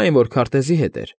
Այն, որ քարտեզի հետ էր։